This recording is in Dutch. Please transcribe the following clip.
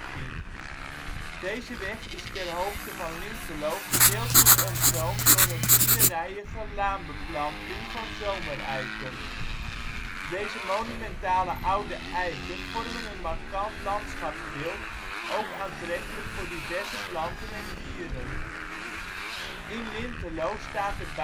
N318. Varsseveldsestraatweg met 4 rijen zomereiken Deze weg is ter hoogte van Lintelo gedeeltelijk omzoomd door een 4-rijige laanbeplanting van zomereiken. Deze monumentale oude eiken vormen een markant landschapsbeeld, ook aantrekkelijk voor diverse planten en dieren. In Lintelo staat de basisschool